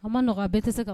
An maɔgɔn a bɛɛ tɛ se kan